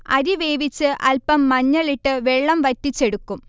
അരി വേവിച്ച് അൽപം മഞ്ഞളിട്ട് വെള്ളം വറ്റിച്ചെടുക്കും